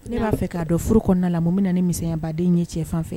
Ne b'a fɛ k'a dɔn furu kɔnɔna na la mun bɛ na ni misɛnyabaden ye cɛ fan fɛ